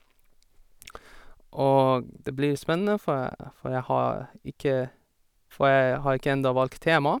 Og det blir spennende, for jeg for jeg har ikke for jeg har ikke enda valgt tema.